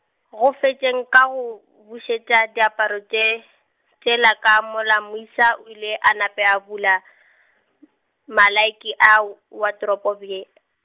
go fetšeng ka go, bušetša diaparo tše, tšela ka mola moisa o ile a nape a bula , malaiki a, watropo bje-.